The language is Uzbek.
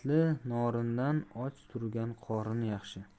turgan qorin yaxshi